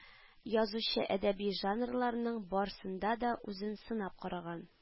Язучы әдәби жанрларның барсында да үзен сынап караган